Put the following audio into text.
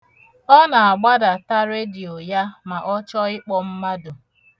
Ọ na-agbadata redio ya ma ọ chọ ịkpọ mmadụ.